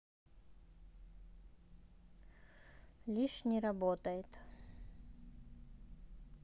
лишь не работает